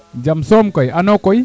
jam soom kay ano koy